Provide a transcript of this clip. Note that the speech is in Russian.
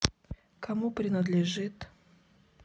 кому принадлежит